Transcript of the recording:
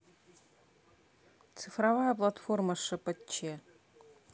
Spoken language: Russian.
цифровая платформа шпц